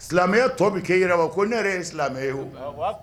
Silamɛ tɔ bɛ kɛ yi ko ne yɛrɛ ye silamɛ ye o